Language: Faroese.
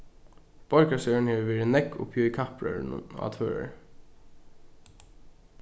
borgarstjórin hevur verið nógv uppi í kappróðrinum á tvøroyri